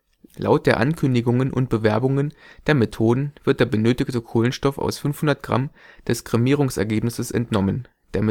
Laut der Ankündigungen und Bewerbungen der Methoden wird der benötigte Kohlenstoff aus 500 Gramm des Kremierungsergebnisses entnommen, der